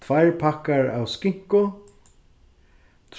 tveir pakkar av skinku